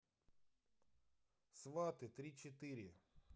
сваты три четыре